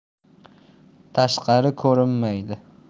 tashqari ko'rinmaydi